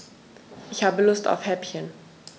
Ich habe Lust auf Häppchen.